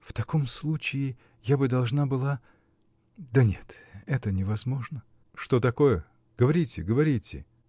-- В таком случае я бы должна была. Да нет! Это невозможно. -- Что такое? Говорите, говорите.